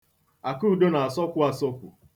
Akụdo na-asọkwu asọkwu.